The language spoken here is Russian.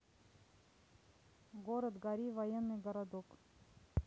город гори военный городок